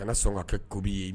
A kana sɔn ka kɛ kobi ye